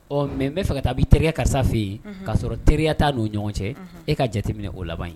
Ɔ mɛ n bɛa fɛ ka taa b'i terikɛya karisa fɛ yen k'a sɔrɔ teriya t ta don ɲɔgɔn cɛ e ka jateminɛ o laban ye